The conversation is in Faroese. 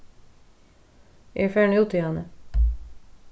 eg eri farin út hiðani